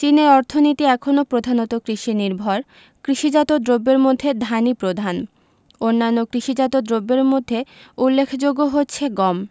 চীনের অর্থনীতি এখনো প্রধানত কৃষিনির্ভর কৃষিজাত দ্রব্যের মধ্যে ধানই প্রধান অন্যান্য কৃষিজাত দ্রব্যের মধ্যে উল্লেখযোগ্য হচ্ছে গম